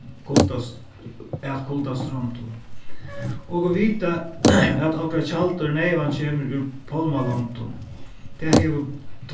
at kuldastrondum okur vita at okra tjaldur neyvan kemur úr pálmalondum tað hevur